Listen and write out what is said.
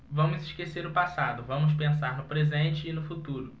vamos esquecer o passado vamos pensar no presente e no futuro